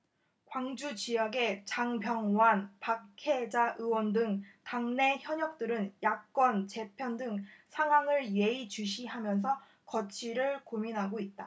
광주지역의 장병완 박혜자 의원 등 당내 현역들은 야권 재편 등 상황을 예의주시하면서 거취를 고민하고 있다